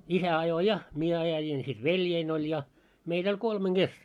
isä ajoi ja minä ajoin sitten veljeni oli ja meitä oli kolmen kesken